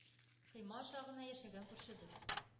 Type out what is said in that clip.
– койма аша гына яшәгән күршебез